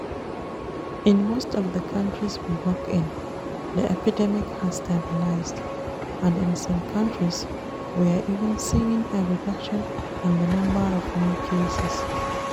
In most of the countries we work in, the epidemic has stabilised, and in some countries we are even seeing a reduction in the number of new cases.